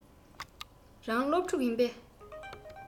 རང སློབ ཕྲུག ཡིན པས